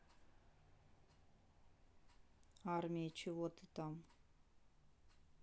армия чего ты там